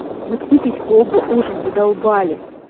заткнитесь вы оба ужас задолбали